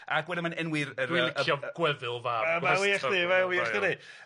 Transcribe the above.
Ag wedyn ma'n enwi'r yr yy yy... Dwi'n licio Gweddil fam Gwrest... Yy ma'n wych 'di, mae'n wych dydi?